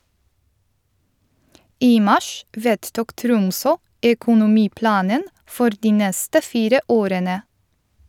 I mars vedtok Tromsø økonomiplanen for de neste fire årene.